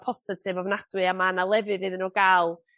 positif ofnadwy a ma' 'na lefydd iddyn n'w ga'l